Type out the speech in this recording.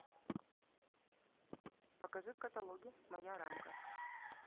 покажи в каталоге моя рамка